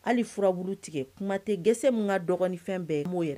Hali furabu tigɛ kuma tɛ gese min ka dɔgɔninfɛn bɛɛ ye maawo yɛrɛ